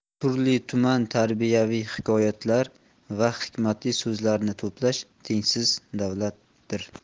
turli tuman tarbiyaviy hikoyatlar va hikmatli so'zlarni to'plash tengsiz davlatdir